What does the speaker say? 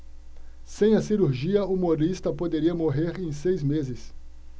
sem a cirurgia humorista poderia morrer em seis meses